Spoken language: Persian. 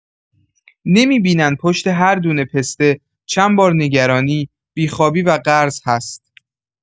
نمی‌بینن پشت هر دونه پسته، چند بار نگرانی، بی‌خوابی و قرض هست.